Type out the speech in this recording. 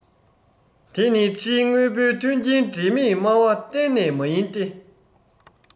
དེ ནི ཕྱིའི དངོས པོའི མཐུན རྐྱེན འབྲེལ མེད སྨྲ བ གཏན ནས མ ཡིན ཏེ